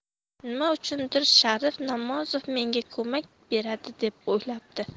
nima uchundir sharif namozov menga ko'mak beradi deb o'ylabdi